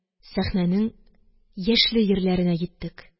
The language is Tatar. Сәхнәнең яшьле йирләренә йиттек.